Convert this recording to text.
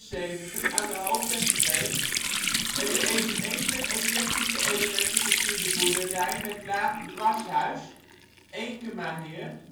1875) aan de Hoofdweg 2 en de eveneens met eclectische elementen versierde boerderij met laag dwarshuis Eenkemaheerd